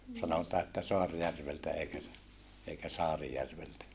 sanotaan että Soarjärveltä eikä - eikä Saarijärveltä